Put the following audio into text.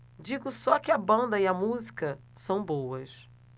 digo só que a banda e a música são boas